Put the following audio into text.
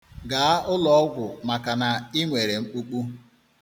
Gaa ụlọọgwụ maka na i nwere mkpukpu.